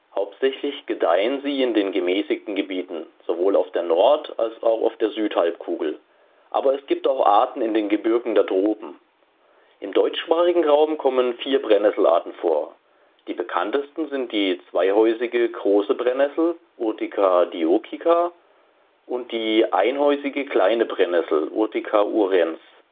Hauptsächlich gedeihen sie in den Gemäßigten Gebieten, sowohl auf der Nord - als auch auf der Südhalbkugel. Aber es gibt auch Arten in den Gebirgen der Tropen. Im deutschsprachigen Raum kommen vier Brennnessel-Arten vor: Die bekanntesten sind die zweihäusige Große Brennnessel (Urtica dioica) und die einhäusige Kleine Brennnessel (Urtica urens